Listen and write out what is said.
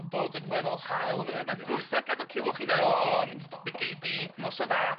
...yn bod yn weddol haul 'y fan hyn. Ie mae'n gwrthod gadal Culhwch i fewn ond mi gei di Noson dda.